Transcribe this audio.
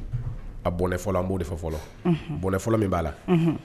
A bɔnɛ fɔlɔ an b'o de fɔ fɔlɔ bɔnɛ fɔlɔ min b'a la.